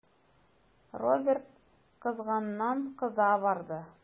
Роберт кызганнан-кыза барды.